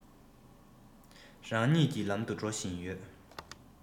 རང ཉིད ཀྱི ལམ དུ འགྲོ བཞིན ཡོད